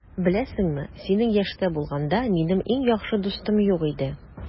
Беләсеңме, синең яшьтә булганда, минем иң яхшы дустым юк иде.